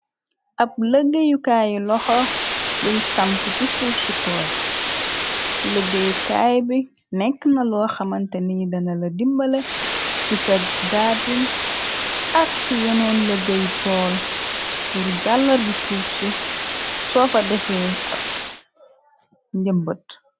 Ab lëggéyukaayi loxo biñ samp ci suuf si tooy lëggéyu kaay bi nekk na loo xamante ni dana la dimbala ci sa gaadin ak ci yeneen lëggéyu tool bur jàllar bi suuf si soofa defee ab njëmbat.